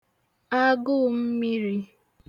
agụụ̄ mmīrī